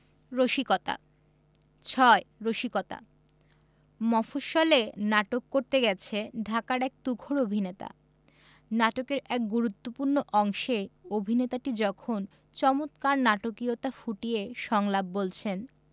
রসিকতা ৬ রসিকতা মফশ্বলে নাটক করতে গেছে ঢাকার এক তুখোর অভিনেতা নাটকের এক গুরুত্তপূ্র্ণ অংশে অভিনেতাটি যখন চমৎকার নাটকীয়তা ফুটিয়ে সংলাপ বলছেন